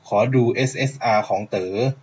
ขอดูเอสเอสอาของเต๋อ